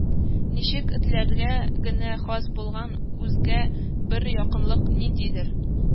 Ничек, этләргә генә хас булган үзгә бер якынлык, ниндидер